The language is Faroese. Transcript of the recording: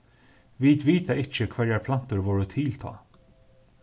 vit vita ikki hvørjar plantur vóru til tá